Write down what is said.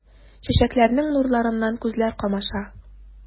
Чәчәкләрнең нурларыннан күзләр камаша.